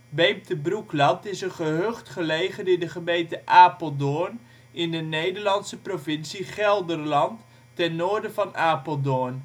Beemte-Broekland is een gehucht gelegen in de gemeente Apeldoorn, Nederlandse provincie Gelderland, ten noorden van Apeldoorn